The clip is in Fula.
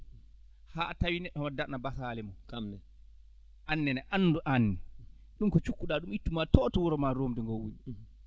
haa a tawii neɗɗo o darna basaale mum aan nene anndu aan ɗum ko cikkuɗaa ko ɗum ittumaa to to wuro maa rumde ngo wuro